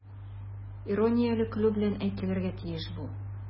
Иронияле көлү белән әйтелергә тиеш бу.